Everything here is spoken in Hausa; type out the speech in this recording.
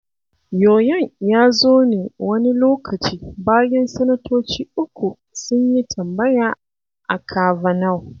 Yoyon ya zo ne wani lokaci bayan sanatoci uku sun yi tambaya a Kavanaugh.